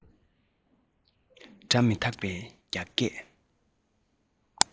སྒྲ མི དག པའི རྒྱ སྐད